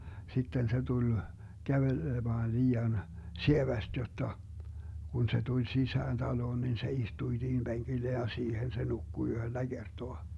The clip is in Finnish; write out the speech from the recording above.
sitten se tuli kävelemään liian sievästi jotta kun se tuli sisään taloon niin se istui siihen penkille ja siihen se nukkui yhdellä kertaa